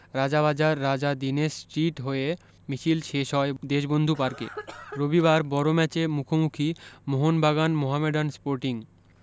Rajabazar Raja Dinendra Street হয়ে মিছিল শেষ হয় দেশবন্ধু পার্কে রবিবার বড় ম্যাচে মুখোমুখি মোহনবাগান মোহামেডান স্পোর্টিং